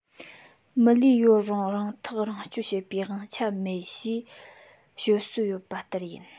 མི ལུས ཡོད རུང རང ཐག རང གཅོད བྱེད པའི དབང ཆ མེད ཅེས ཤོད སྲོལ ཡོད པ ལྟར ཡིན